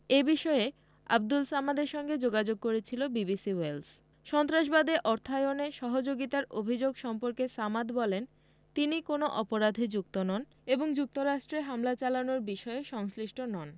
এ বিষয়ে আবদুল সামাদের সঙ্গে যোগাযোগ করেছিল বিবিসি ওয়েলস সন্ত্রাসবাদে অর্থায়নে সহযোগিতার অভিযোগ সম্পর্কে সামাদ বলেন তিনি কোনো অপরাধে যুক্ত নন এবং যুক্তরাষ্ট্রে হামলা চালানোর বিষয়ে সংশ্লিষ্ট নন